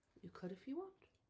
You could if you want.